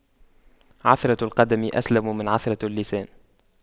عثرة القدم أسلم من عثرة اللسان